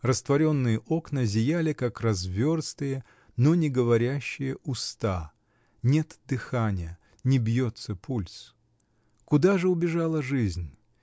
Растворенные окна зияли, как разверстые, но не говорящие уста нет дыхания, не бьется пульс. Куда же убежала жизнь?